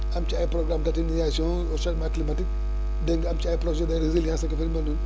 am ci ay programmes d' aténuation au changement climatique dégg nga am ci ay projet de résilience ak affaire yu mel noonu